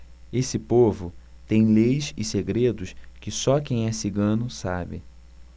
esse povo tem leis e segredos que só quem é cigano sabe